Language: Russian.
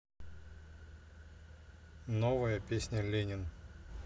новая песня ленин